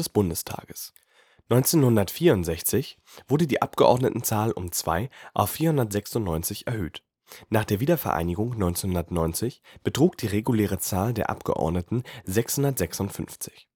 1964 wurde die Abgeordnetenzahl um zwei auf 496 erhöht. Nach der Wiedervereinigung 1990 betrug die reguläre Zahl der Abgeordneten 656